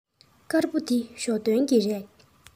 དཀར པོ འདི ཞའོ ཏོན གྱི རེད